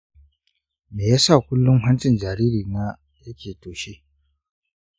me ya sa kullum hancin jaririna yake toshe?